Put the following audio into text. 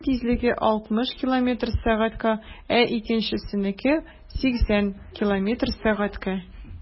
Берсенең тизлеге 60 км/сәг, ә икенчесенеке - 80 км/сәг.